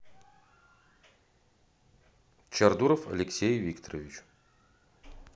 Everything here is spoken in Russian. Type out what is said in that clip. чардуров алексей викторович